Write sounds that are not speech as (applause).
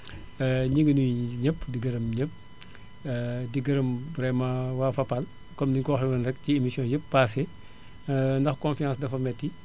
(noise) (hesitation) énu ngi nuyu énëpp di gërëm ñëpp (hesitation) di gërëm vraiment waa Fapal comme ni nga ko waxee woon rek ci émission yëpp paase (hesitation) ndax confiance dafa métti